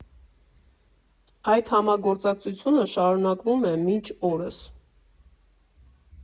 Այդ համագործակցությունը շարունակվում է մինչ օրս։